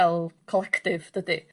...fel collective dydi?